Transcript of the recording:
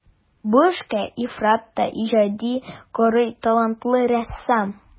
Бу эшкә ифрат та иҗади карый талантлы рәссам.